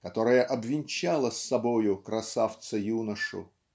которая обвенчала с собою красавца юношу